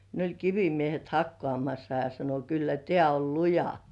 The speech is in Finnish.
ne oli kivimiehet hakkaamassa ja sanoi kyllä tämä on luja